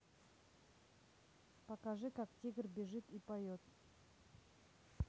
покажи как тигр бежит и поет